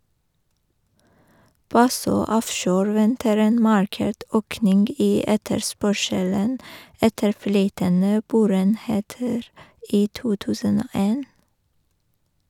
Bassøe Offshore venter en markert økning i etterspørselen etter flytende boreenheter i 2001.